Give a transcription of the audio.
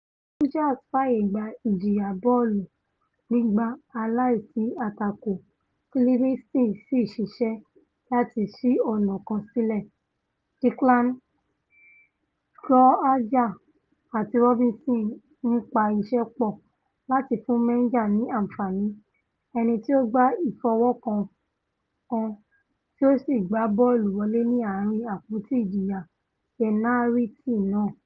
Rangers fáàyè gba ìjìya bọ́ọ̀lù gbígbá aláìsí-àtakò tí Livinston sì ṣiṣẹ́ láti sí ọ̀nà kan sílẹ̀, Declan Gallagher àti Robinson ńpá iṣẹ́ pọ̀ láti fún Menga ni àǹfààní, ẹnití ó gba ìfọwọ́kàn kàn tí ó sì gbá bọ́ọ̀lù wọlé ní ààrin àpótí ìjìya pẹnariti náà.